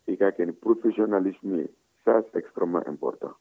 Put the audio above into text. i k'a kɛ ni professionnalisme ye ca c'est extremement important